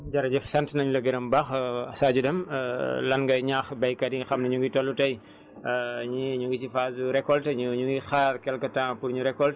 jërëjëf sant nañ la gërëm baax Sadio Deme lan ngay ñaax baykat yi nga xam ne ñu ngi toll tay ñii ñu ngi si phase récolter ñii ñu ngi xaar quelques temps pour ñu récolter